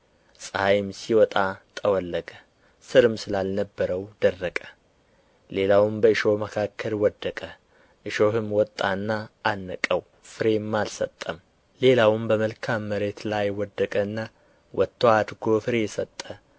ፀሐይም ሲወጣ ጠወለገ ሥርም ስላልነበረው ደረቀ ሌላውም በእሾህ መካከል ወደቀ እሾህም ወጣና አነቀው ፍሬም አልሰጠም ሌላውም በመልካም መሬት ላይ ወደቀና ወጥቶ አድጎ ፍሬ ሰጠ